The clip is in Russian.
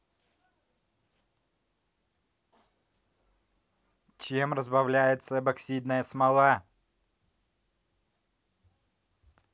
чем разбавляется эпоксидная смола